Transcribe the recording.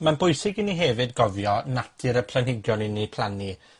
Ma'n bwysig i ni hefyd gofio natur y planhigion 'yn ni plannu.